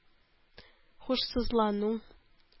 Һушсызлану